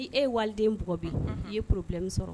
I ee ye waliden bɔgɔ bɛ i ye pbilɛ min sɔrɔ